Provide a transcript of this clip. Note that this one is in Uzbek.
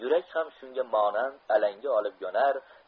yurak ham shunga monand alanga olib yonar